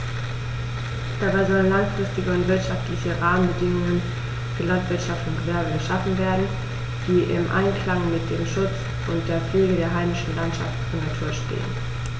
Dabei sollen langfristige und wirtschaftliche Rahmenbedingungen für Landwirtschaft und Gewerbe geschaffen werden, die im Einklang mit dem Schutz und der Pflege der heimischen Landschaft und Natur stehen.